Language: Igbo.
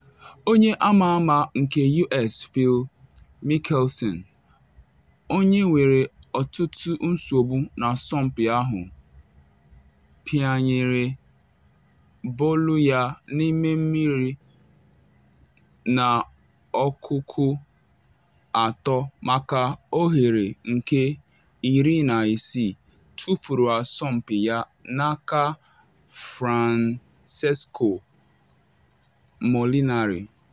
Onye ama ama nke US Phil Mickelson, onye nwere ọtụtụ nsogbu n’asọmpi ahụ, pianyere bọọlụ ya n’ime mmiri na ọkụkụ-3 maka oghere nke 16, tufuru asọmpi ya n’aka Francesco Molinari.